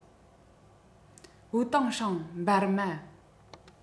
ཝུའུ ཏེང ཧྲེང འབར མ